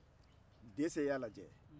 dɛsɛ y'a lajɛ